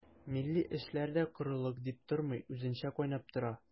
Милли эшләр дә корылык дип тормый, үзенчә кайнап тора.